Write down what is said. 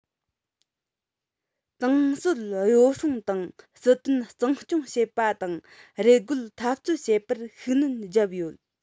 ཏང སྲོལ ཡོ བསྲང དང སྲིད དོན གཙང སྐྱོང བྱེད པ དང རུལ རྒོལ འཐབ རྩོད བྱེད པར ཤུགས སྣོན བརྒྱབ ཡོད